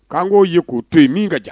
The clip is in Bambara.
K'an k'o ye k'o to yen min ka jan